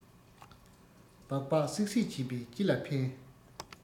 སྦག སྦག གསིག གསིག བྱས པས ཅི ལ ཕན